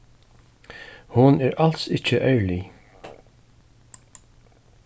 hon er als ikki ærlig